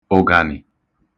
ụ̀gànị̀